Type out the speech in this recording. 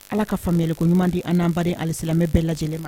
Ala ka fangalɛko ɲuman di ananba alisamɛ bɛɛ lajɛlen ma